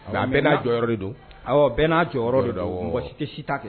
Nka bɛɛ' jɔyɔrɔ de don bɛɛ n'a jɔyɔrɔ don mɔgɔ tɛ si ta kɛ